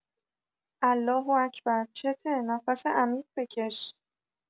الله‌اکبر چته نفس عمیق بکش